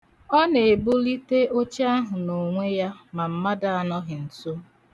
Ọ na-ebulite oche ahụ n'onwe ya ma mmadụ anọghị nso.